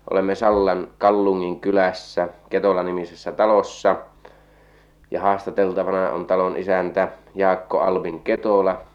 olemme Sallan Kallungin kylässä Ketola-nimisessä talossa ja haastateltavana on talon isäntä Jaakko Albin Ketola